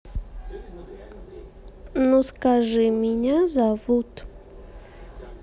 ну скажи меня зовут